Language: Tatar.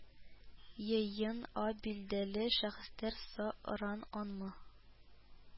Йыйын а билдәле шәхестәр са ырыл анмы